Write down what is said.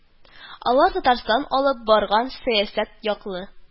Алар Татарстан алып барган сәясәт яклы